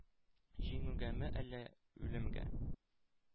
Җиңүгәме әллә үлемгә?